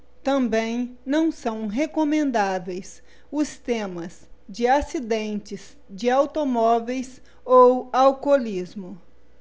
também não são recomendáveis os temas de acidentes de automóveis ou alcoolismo